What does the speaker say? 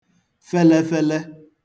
felefele